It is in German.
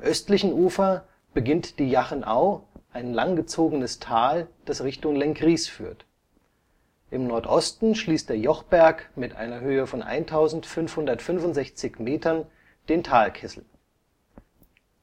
östlichen Ufer beginnt die Jachenau, ein lang gezogenes Tal, das Richtung Lenggries führt. Im Nordosten schließt der Jochberg (1.565 m) den Talkessel.